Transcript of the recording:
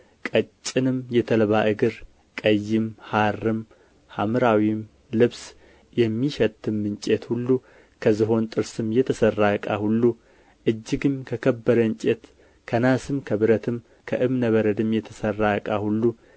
ቀጭንም ተልባ እግር ቀይም ሐርም ሐምራዊም ልብስ የሚሸትም እንጨት ሁሉ ከዝሆን ጥርስም የተሰራ ዕቃ ሁሉ እጅግም ከከበረ እንጨት ከናስም ከብረትም ከዕብነ በረድም የተሰራ ዕቃ ሁሉ